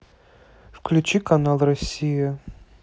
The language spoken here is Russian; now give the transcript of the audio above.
включи канал россия